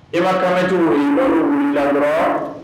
E' kan duuru bolo wulila la